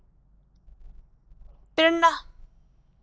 དཔེར ན